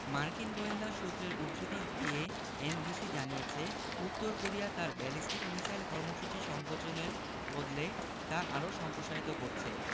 মার্কিন গোয়েন্দা সূত্রের উদ্ধৃতি দিয়ে এনবিসি জানিয়েছে উত্তর কোরিয়া তার ব্যালিস্টিক মিসাইল কর্মসূচি সংকোচনের বদলে তা আরও সম্প্রসারিত করছে